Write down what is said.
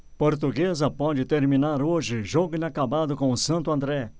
portuguesa pode terminar hoje jogo inacabado com o santo andré